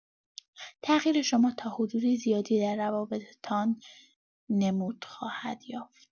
تغییر شما تا حدود زیادی در روابطتان نمود خواهد یافت.